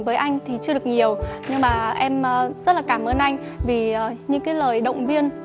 với anh thì chưa được nhiều nhưng mà em rất là cảm ơn anh vì những lời động viên